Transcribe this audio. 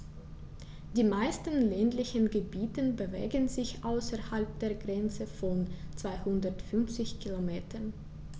Die meisten ländlichen Gebiete bewegen sich außerhalb der Grenze von 250 Kilometern.